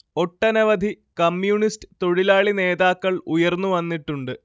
ഒട്ടനവധി കമ്യൂണിസ്റ്റ് തൊഴിലാളി നേതാക്കൾ ഉയർന്നു വന്നിട്ടുണ്ട്